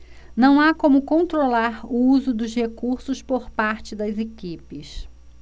não há como controlar o uso dos recursos por parte das equipes